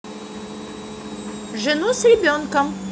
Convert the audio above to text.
жену с ребенком